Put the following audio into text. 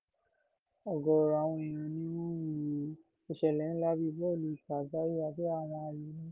Ọ̀gọ̀ọ̀rọ̀ àwọn èèyàn ni wọ́n ń wo àwọn ìṣẹ̀lẹ̀ ńlá bíi Bọ́ọ̀lù Ife Àgbáyé àbí àwọn Ayò Olympic.